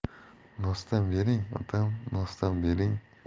nosdan bering otam nosdan bering